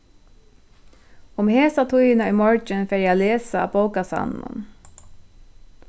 um hesa tíðina í morgin fari eg at lesa á bókasavninum